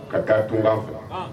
Ka taa tunkan fɔ